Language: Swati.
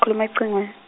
khuluma ecingwe-.